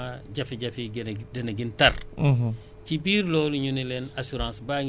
bu ñu xoolee lu ñuy ne changement climatique bu ñu leen jàppalewul gunge wuñ leen